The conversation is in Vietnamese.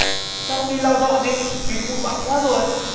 sao không đi lau dọn đi kính bụi bặm quá rồi